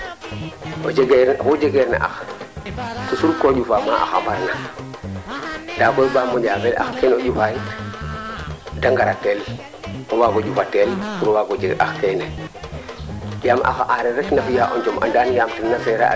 mee oxu waag una kea leye moƴan ina moon komana refo yeng oxu waag una jek kiro ax oxu waag una leyong de yaag jikik iro ax muk ndaa koy o cu'u xeex ke a ñakit